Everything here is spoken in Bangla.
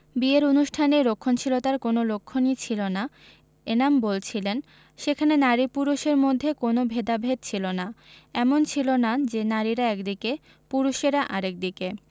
বিয়ের অনুষ্ঠানে রক্ষণশীলতার কোনো লক্ষণই ছিল না এনাম বলছিলেন সেখানে নারী পুরুষের মধ্যে কোনো ভেদাভেদ ছিল না এমন ছিল না যে নারীরা একদিকে পুরুষেরা আরেক দিকে